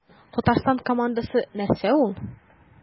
Татарстан командасы нәрсә ул?